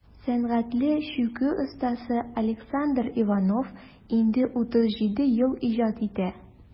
Сәнгатьле чүкү остасы Александр Иванов инде 37 ел иҗат итә.